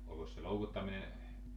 olikos se loukuttaminen